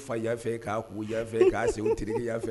Fa y'a fɛ k'a fɛ k'a segu tigiyaa fɛ